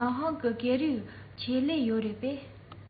ཉི ཧོང གི སྐད ཡིག ཆེད ལས ཡོད རེད པས